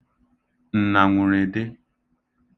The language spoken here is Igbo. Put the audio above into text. ǹnànwụ̀rède